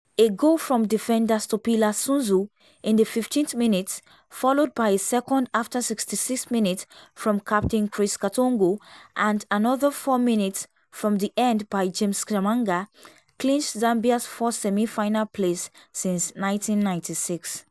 A goal from defender Stopilla Sunzu in the fifteenth minute, followed by a second after 66 minutes from Captain Chris Katongo and another four minutes from the end by James Chamanga, clinched Zambia's first semi-final place since 1996.